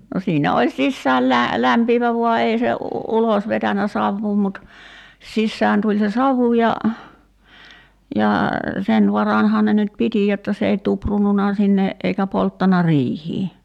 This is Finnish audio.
no siinä oli sisään - lämpiävä vain ei se ulos vetänyt savua mutta sisään tuli se savu ja ja sen varanhan ne nyt piti jotta se ei tuprunnut sinne eikä polttanut riihtä